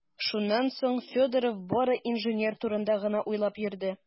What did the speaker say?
Шуннан соң Федоров бары инженер турында гына уйланып йөрде.